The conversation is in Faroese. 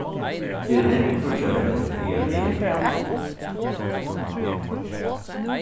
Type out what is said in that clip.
tað er hent tríggjar ferðir higartil